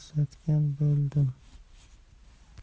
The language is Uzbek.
ko'nglini ko'targan bo'ldim